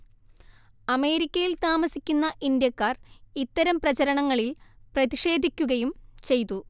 അമേരിക്കയിൽ താമസിക്കുന്ന ഇന്ത്യക്കാർ ഇത്തരം പ്രചരണങ്ങളിൽ പ്രതിഷേധിക്കുകയും ചെയ്തു